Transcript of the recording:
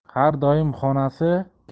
har doim xonasi